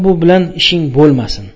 bu bilan ishing bulmasin